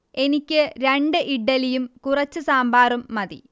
എനിക്ക് രണ്ട് ഇഡ്ഢലിയും കുറച്ച് സാമ്പാറും മതി